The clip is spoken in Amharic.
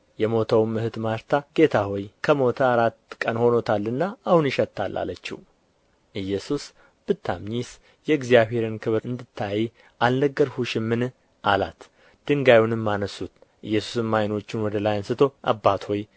የሞተውም እኅት ማርታ ጌታ ሆይ ከሞተ አራት ቀን ሆኖታልና አሁን ይሸታል አለችው ኢየሱስ ብታምኚስ የእግዚአብሔርን ክብር እንድታዪ አልነገርሁሽምን አላት ድንጋዩንም አነሡት ኢየሱስም ዓይኖቹን ወደ ላይ አንሥቶ አባት ሆይ